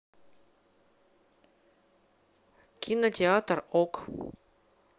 кинотеатр ок